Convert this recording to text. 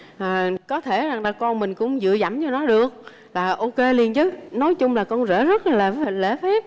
à có thể rằng là con mình cũng dựa dẫm vô nó được là ô kê liền chứ nói chung là con rể rất là lễ phép